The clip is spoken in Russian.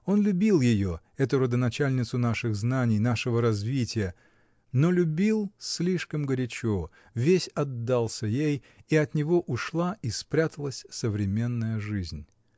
Он любил ее, эту родоначальницу наших знаний, нашего развития, но любил слишком горячо, весь отдался ей, и от него ушла и спряталась современная жизнь.